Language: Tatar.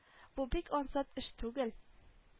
Бу бик ансат эш түгел